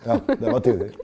ja det var tider.